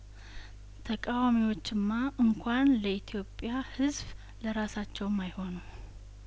ተቃዋሚዎችማ እንኳን ለኢትዮጵያ ህዝብ ለራሳቸውም አይሆኑም